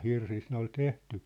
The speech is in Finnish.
hirsistä ne oli tehty